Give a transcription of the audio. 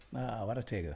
O chwarae teg iddo fe.